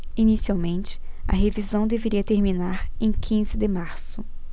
inicialmente a revisão deveria terminar em quinze de março